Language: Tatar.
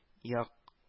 Як